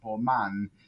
bob man